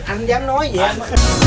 anh giám nói